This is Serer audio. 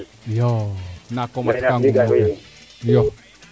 iyo nako mat ka ximel iyo